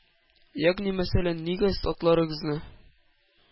Ягъни мәсәлән, нигә сез атларыгызны